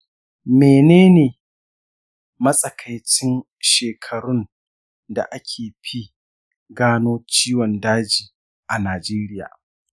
menene matsakaicin shekarun da ake fi gano ciwon daji a najeriya?